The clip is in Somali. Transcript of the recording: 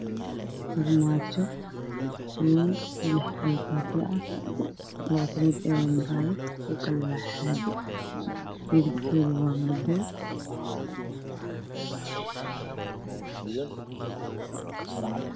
Meeshaan waxaa ka muuqdo armaajo